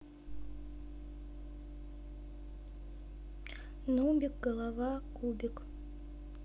нубик голова кубик